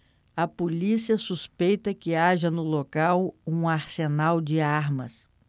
a polícia suspeita que haja no local um arsenal de armas